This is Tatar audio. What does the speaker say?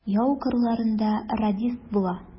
Яу кырларында радист була.